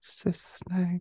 Saesneg?